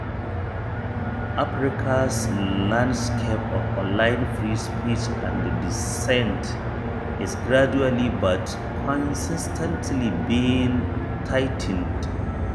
Africa’s landscape of online free speech and dissent is gradually, but consistently, being tightened.